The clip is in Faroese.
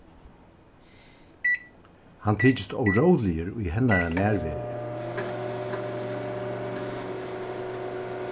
hann tyktist óróligur í hennara nærveru